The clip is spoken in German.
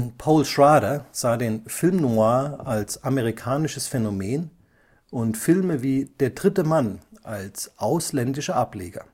Paul Schrader sah den Film noir als amerikanisches Phänomen und Filme wie Der dritte Mann als „ ausländische Ableger